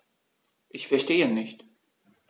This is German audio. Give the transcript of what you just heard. Ich verstehe nicht.